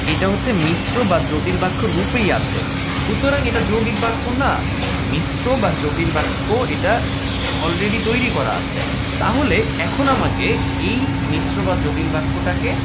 এটা হচ্ছে মিশ্র বা জটিল বাক্যের রূপে আছে সুতরাং এটা যৌগিক বাক্য না মিশ্র বা জটিল বাক্য এটা অলরেডি তৈরি করা আছে তাহলে এখন আমাকে এই মিশ্র বা জটিল বাক্য টাকে